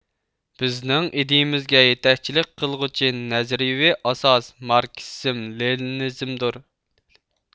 بىزنىڭ ئىدىيىمىزگە يېتەكچىلىك قىلغۇچى نەزەرىيىۋى ئاساس ماركسىزم لېنىنىزمدۇر